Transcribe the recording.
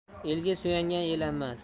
elga suyangan elanmas